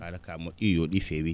haala kaa moƴƴii yooɗii feewii